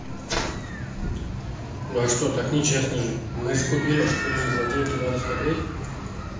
ну а что так нечестно же мы же купили а теперь же за деньги надо смотреть